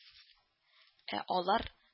Ә алар